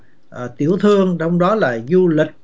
ờ tiểu thương trong đó là du lịch